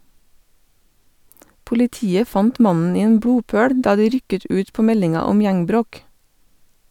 Politiet fant mannen i en blodpøl da de rykket ut på meldinga om gjeng-bråk.